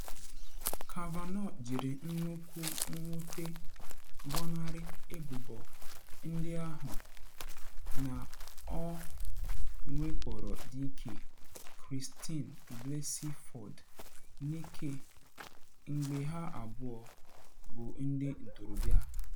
Kavanaugh jiri nnukwu mwute gọnarị ebubo ndị ahụ na ọ wakporo Dk. Christine Blasey Ford n’ike mgbe ha abụọ bụ ndị ntorobịa.